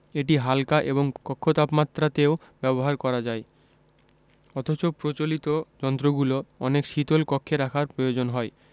এটি হাল্কা এবং কক্ষ তাপমাত্রাতেও ব্যবহার করা যায় অথচ প্রচলিত যন্ত্রগুলো অনেক শীতল কক্ষে রাখার প্রয়োজন হয়